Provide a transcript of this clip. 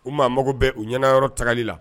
U maa mago bɛɛ u ɲɛnaana yɔrɔ tali la